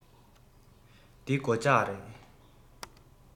འདི སྒོ ལྕགས རེད